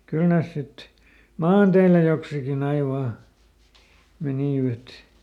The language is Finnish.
kyllä ne sitten maanteillä joksikin aina vain menivät